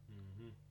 mm